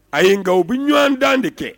A ye n nka u bɛ ɲɔgɔn dan de kɛ